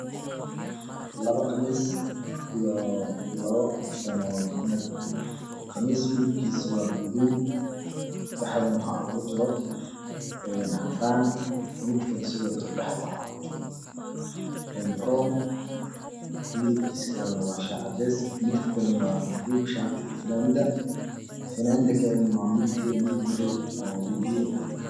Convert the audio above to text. Halkan waa yalo labo qamiis iyo labo fanand kalar kode waa madow iyo baluug iyo cades iyo baluug kale